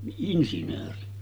niin insinööri